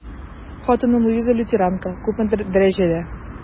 Хатыным Луиза, лютеранка, күпмедер дәрәҗәдә...